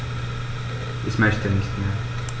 Ich möchte nicht mehr.